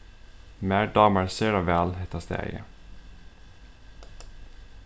mær dámar sera væl hetta staðið